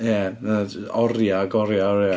Ia, fydd 'na jyst oriau ac oriau a oriau.